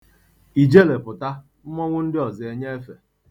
Ijele pụta, mmọnwụ ndị ọzọ enye efe.